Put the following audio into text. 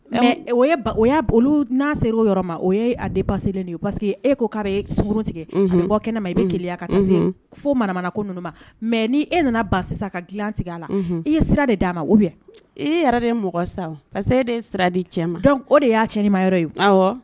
Mɛ o o n'a sera o yɔrɔ ma o a ba parce que e ko k'a bɛ sunkuru tigɛ mɔgɔ kɛnɛ ma i bɛ gɛlɛya ka se fo maramana ko ma mɛ ni' e nana ba sisan ka dila sigi a la i ye sira de d'a ma o e yɛrɛ de mɔgɔ sa parce se de sira di cɛ ma dɔn o de y'a cɛanima yɔrɔ ye